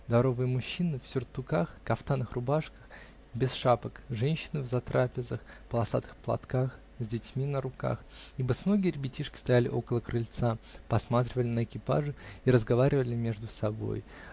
Дворовые мужчины, в сюртуках, кафтанах, рубашках, без шапок, женщины, в затрапезах, полосатых платках, с детьми на руках, и босоногие ребятишки стояли около крыльца, посматривали на экипажи и разговаривали между собой.